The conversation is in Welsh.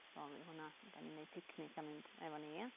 So ma' hwnna... dan ni'n wneud picnic a mynd efo ni ia?